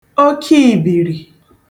okeìbìrì